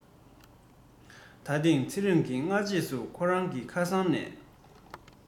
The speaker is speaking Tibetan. ད ཐེངས ཚེ རིང གིས སྔ རྗེས སུ ཁོ རང གི ཁ སང ནས